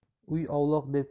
uy ovloq deb